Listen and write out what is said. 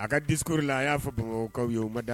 A ka diri la a y'a fɔ mɔgɔw yo mada